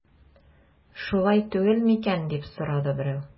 Шулай түгел микән дип сорады берәү.